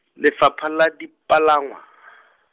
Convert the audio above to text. Lefapha la Dipalangwa .